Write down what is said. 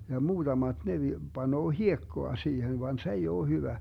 ja muutamat ne - panee hiekkaa siihen vaan se ei ole hyvä